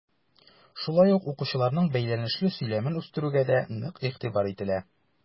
Шулай ук укучыларның бәйләнешле сөйләмен үстерүгә дә нык игътибар ителә.